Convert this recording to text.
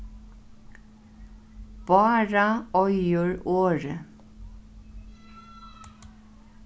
bára eigur orðið